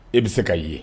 E bɛ se ka ye